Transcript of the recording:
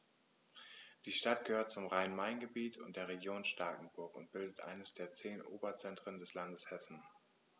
Die Stadt gehört zum Rhein-Main-Gebiet und der Region Starkenburg und bildet eines der zehn Oberzentren des Landes Hessen.